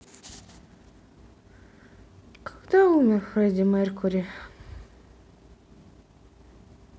когда умер фредди меркьюри